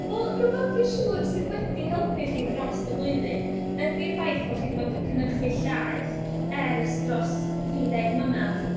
Wel rywbeth dwi'n siŵr sydd wedi helpu chi dros y flwyddyn ,ydy'r ffaith bo' chi wedi bod yn cynhyrchu llaeth ers dros dri deg mlynedd.